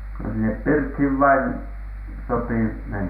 no sinne pirttiin vain sopi mennä